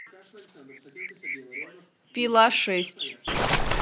пила шесть